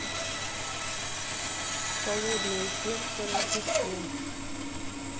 холодное сердце рождество